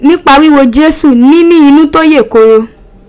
Nipa wiwo Jesu, nini inu to ye kooro.